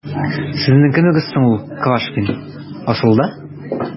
Сезнең кемегез соң ул Квашнин, асылда? ..